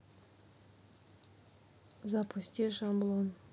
запусти шаблон